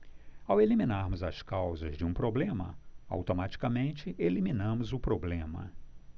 ao eliminarmos as causas de um problema automaticamente eliminamos o problema